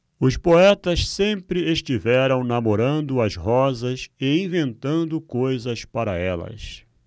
os poetas sempre estiveram namorando as rosas e inventando coisas para elas